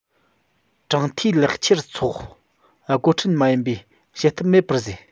དྲངས འཐུས ལག འཁྱེར སོགས སྒོ ཁྲལ མ ཡིན པའི བྱེད ཐབས མེད པར བཟོས